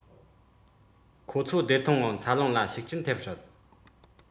ཁོ ཚོ བདེ ཐང ངང འཚར ལོངས ལ ཤུགས རྐྱེན ཐེབས སྲིད